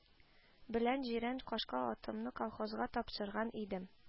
Белән җирән кашка атымны колхозга тапшырган идем